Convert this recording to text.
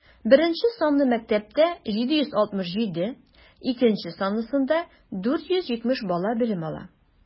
Беренче санлы мәктәптә - 767, икенче санлысында 470 бала белем ала.